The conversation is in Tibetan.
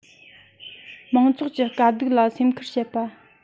མང ཚོགས ཀྱི དཀའ སྡུག ལ སེམས ཁུར བྱེད པ